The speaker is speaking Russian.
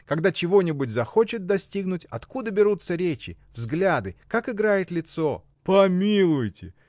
— Когда чего-нибудь захочет достигнуть, откуда берутся речи, взгляды, как играет лицо! — Помилуйте!